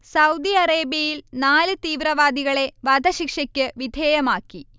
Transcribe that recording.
Saudi അറേബ്യയിൽ നാല് തീവ്രവാദികളെ വധശിക്ഷയ്ക്ക് വിധേയമാക്കി